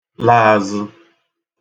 la azə̣